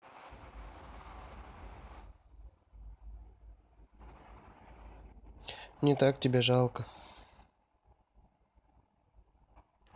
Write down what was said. не так тебя жалко